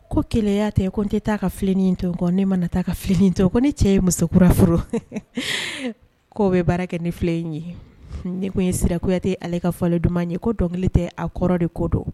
Ko kɛlɛya tɛ ko n tɛ taa ka filennin to n kɔ ne mana taa ka filenin to ko ni cɛ ye musokura furu k'oo bɛ baara kɛ ni filɛ in ye hun nin ne tun ye Sira kuyate ale ka fɔli duman ye ko dɔnkili tɛ a kɔrɔ de ko dɔn